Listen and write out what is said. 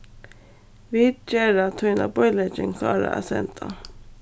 vit gera tína bílegging klára at senda